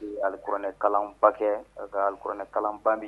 Que alikuranɛ kalanbakɛ alikuranɛ kalan ban bɛ